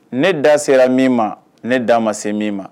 Ne da sera min ma ne' ma se min ma